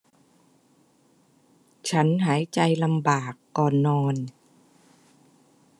ฉันหายใจลำบากก่อนนอน